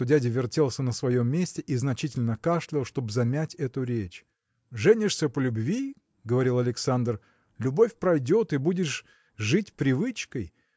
что дядя вертелся на своем месте и значительно кашлял чтоб замять эту речь – женишься по любви – говорил Александр – любовь пройдет и будешь жить привычкой